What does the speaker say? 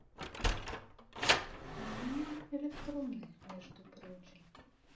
а у меня электроны между прочим